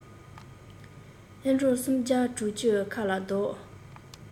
ཡེ འབྲོག སུམ བརྒྱ དྲུག ཅུའི ཁ ལ བཟློག